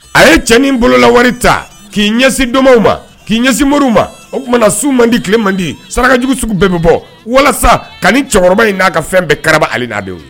A ye cɛnani bolo la wari ta k'i ɲɛsin don ma k'i ɲɛsin muru ma o tumana su man di tile mandi sarakajugu sugu bɛɛ bɛ bɔ walasa ka cɛkɔrɔba in n'a ka fɛn bɛɛ kara aniinaadenw